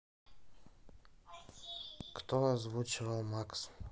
кто озвучивал макс